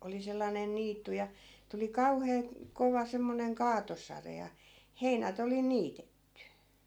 oli sellainen niitty ja tuli kauhea kova semmoinen kaatosade ja heinät oli jo niitetty